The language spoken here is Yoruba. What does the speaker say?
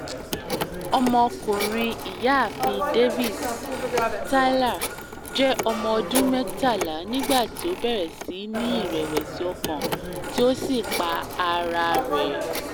Ọmọ ọkùnrin Ìyàáfin Davis, Tyler, jẹ́ ọmọ ọdún 13 nígbàtí ó bẹ̀rẹ̀ sí ní ìrẹ̀wẹ̀sì ọkàn tí ó sì pa ara rẹ.